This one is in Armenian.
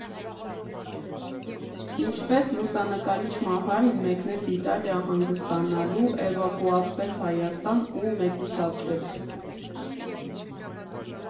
Ինչպես լուսանկարիչ Մահարին մեկնեց Իտալիա հանգստանալու, էվակուացվեց Հայաստան ու մեկուսացվեց։